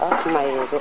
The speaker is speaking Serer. a maye de